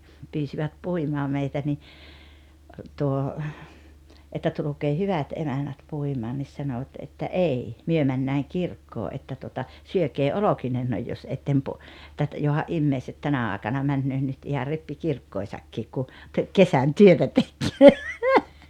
pyysivät puimaan meitä niin tuo että tulkaa hyvät emännät puimaan niin sanoivat että ei me mennään kirkkoon että tuota syökää olkinenne jos ette -- että johan ihmiset tänä aikana menevät nyt ihan rippikirkkoihinsakin kun - kesän työtä tekee